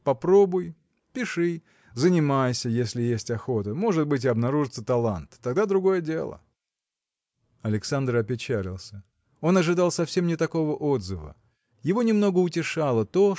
попробуй, пиши, занимайся, если есть охота может быть, и обнаружится талант тогда другое дело. Александр опечалился. Он ожидал совсем не такого отзыва. Его немного утешало то